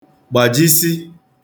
gbàjisị